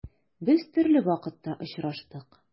Без төрле вакытта очраштык.